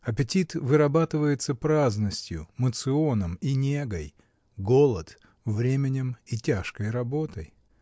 Аппетит вырабатывается праздностью, моционом и негой, голод — временем и тяжкой работой.